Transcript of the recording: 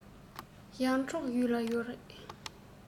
ཡར འབྲོག གཞུང ལ ཡོག རེད